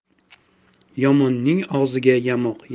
yomonning og'ziga yamoq